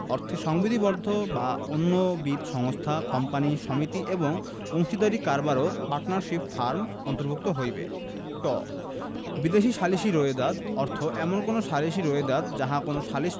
অর্থে সংবিধিবদ্ধ বা অন্যবিধ সংস্থা কোম্পানী সমিতি এবং অংশীদারী কারবার ও পার্টনারশিপ ফার্ম অন্তর্ভুক্ত হইবে ট বিদেশী সালিসী রোয়েদাদ অর্থ এমন কোন সালিসী রোয়েদাদ যাহা কোন সালিস